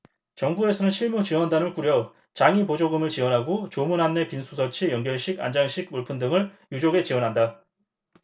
정부에서는 실무지원단을 꾸려 장의보조금을 지원하고 조문 안내 빈소설치 영결식 안장식 물품 등을 유족에 지원한다